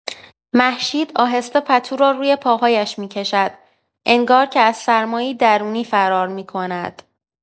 مهشید آهسته پتو را روی پاهایش می‌کشد، انگار که از سرمایی درونی فرار می‌کند.